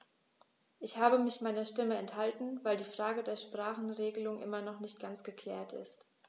Ich habe mich meiner Stimme enthalten, weil die Frage der Sprachenregelung immer noch nicht ganz geklärt ist.